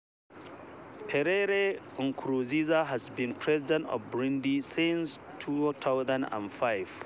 Pierre Nkurunziza has been president of Burundi since 2005.